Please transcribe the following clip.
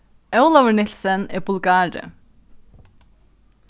ólavur nielsen er bulgari